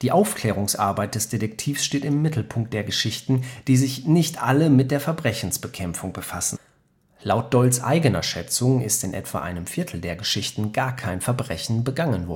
Aufklärungsarbeit des Detektivs steht im Mittelpunkt der Geschichten, die sich nicht alle mit der Verbrechensbekämpfung befassen: Laut Doyles eigener Schätzung ist in etwa einem Viertel der Geschichten gar kein Verbrechen begangen